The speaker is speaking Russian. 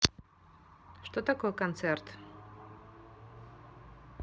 что такое концерт